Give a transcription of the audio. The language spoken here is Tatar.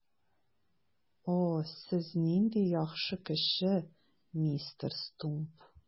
О, сез нинди яхшы кеше, мистер Стумп!